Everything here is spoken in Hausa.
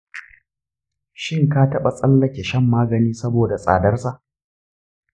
shin ka taɓa tsallake shan magani saboda tsadar sa?